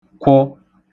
kwụ